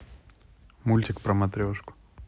мультик про матрешку